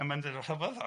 A mae'n deud 'o rhyfedd!